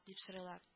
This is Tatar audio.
– дип сорыйлар